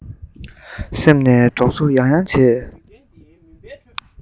སེམས ནས རྟོག བཟོ ཡང ཡང བྱས